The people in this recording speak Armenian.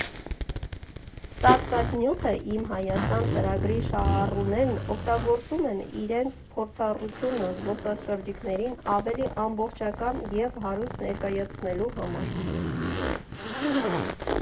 Ստացված նյութը «Իմ Հայաստան» ծրագրի շահառուներն օգտագործում են իրենց փորձառությունը զբոսաշրջիկներին ավելի ամբողջական և հարուստ ներկայացնելու համար։